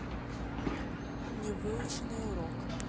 невыученный урок